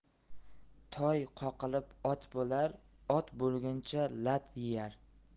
toy qoqilib ot bo'lar ot bo'lguncha lat yeyar